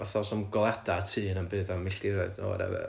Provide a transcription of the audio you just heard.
fatha does na'm goleadau tŷ na ddim byd am milltiroedd or whatever